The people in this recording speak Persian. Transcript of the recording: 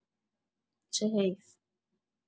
چه حیف